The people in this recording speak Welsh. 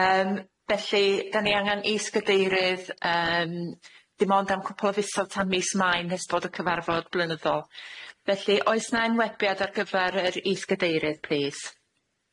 Yym felly 'dan ni angan is-gadeirydd yym dim ond am cwpwl o fisoedd tan mis Mai nes bod y cyfarfod blynyddol felly, oes 'na enwebiad ar gyfer yr is-gadeirydd plîs?